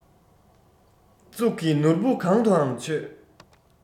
གཙུག གི ནོར བུ གང དུའང མཆོད